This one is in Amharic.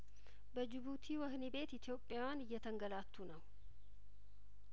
በጂቡቲ ወህኒ ቤት ኢትዮጵያውያን እየተንገላቱ ነው